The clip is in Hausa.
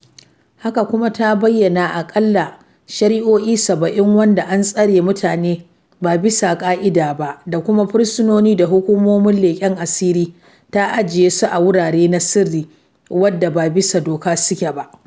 Haka kuma ta bayyana aƙalla shari'o'i 70 wadda an "tsare mutane ba bisa ka'ida ba" da kuma fursunonin da hukumomin leken asiri ta ajiye su a wuraren na sirri wadda ba bisa doka suke ba.